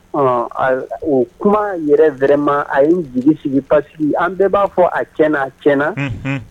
O kuma yɛrɛ yɛrɛma a ye jigi sigi pasi an bɛɛ b'a fɔ a cɛ a tiɲɛna